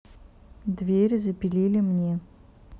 дверь запили мне